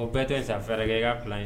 O bɛɛ tɛ san fɛɛrɛ kɛ i ka. fila in.